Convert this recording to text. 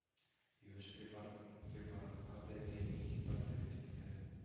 Юеш препаратлар да даими игътибар таләп итәләр